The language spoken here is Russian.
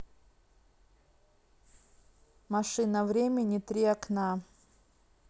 машина времени три окна